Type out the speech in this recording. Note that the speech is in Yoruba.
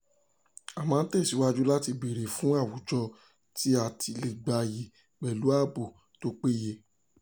A máa tẹ̀síwajú láti béèrè fún àwùjọ tí a ti lè gbáyé pẹ̀lú ààbò tó péye.